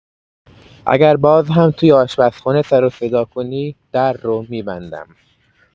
اگه باز هم توی آشپزخونه سروصدا کنی، در رو می‌بندم.